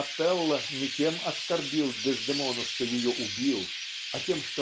Отелло не тем оскорбил Дездемону что ее убил а тем